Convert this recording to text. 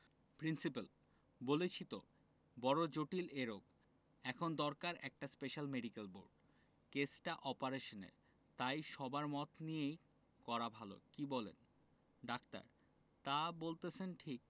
principal বলেছি তো বড় জটিল এ রোগ এখন দরকার একটা স্পেশাল মেডিকেল বোর্ড কেসটা অপারেশনের তাই সবার মত নিয়েই করা ভালো কি বলেন ডাক্তার তা বলেছেন ঠিক